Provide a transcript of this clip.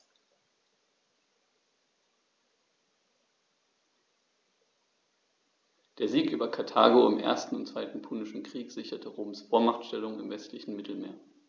Der Sieg über Karthago im 1. und 2. Punischen Krieg sicherte Roms Vormachtstellung im westlichen Mittelmeer.